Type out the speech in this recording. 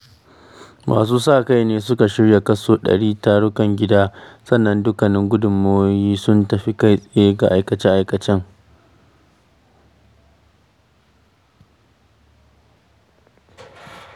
Masu sa kai ne suka shirya kaso 100% tarukan gida, sannan dukkanin gudunmawoyin sun tafi kai-tsaye ga aikace-aikacen.